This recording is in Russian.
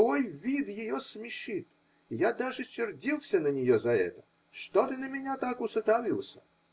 Твой вид ее смешит, и я даже сердился на нее за это. Что ты на меня так уставился?